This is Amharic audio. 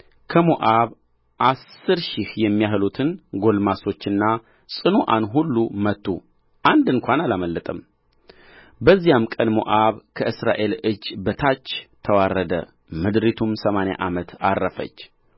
ከሞዓብ አሥር ሺህ የሚያህሉትን ጕልማሶችና ጽኑዓን ሁሉ መቱ አንድ እንኳ አላመለጠም በዚያም ቀን ሞዓብ ከእስራኤል እጅ በታች ተዋረደ ምድሪቱም ሰማንያ ዓመት ዐረፈች